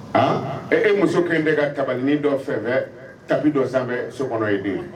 A e e muso kelen bɛ ka tanin dɔ fɛ tabi dɔ sanfɛ so kɔnɔ ye den ye